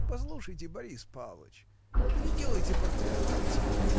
Послушайте, Борис Павлыч, переделайте портрет в картину